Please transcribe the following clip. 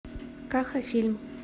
каха фильм